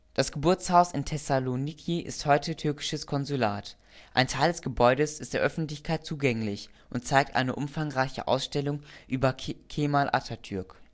Das Geburtshaus in Thessaloniki ist heute türkisches Konsulat. Ein Teil des Gebäudes ist der Öffentlichkeit zugänglich und zeigt eine umfangreiche Ausstellung über Kemal Atatürk